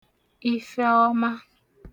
ifẹọma